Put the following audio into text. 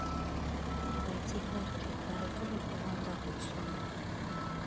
Բայց, իհարկե, կարևորը բովանդակությունն է։